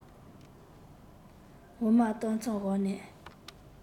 འོ མ ལྡག མཚམས བཞག ནས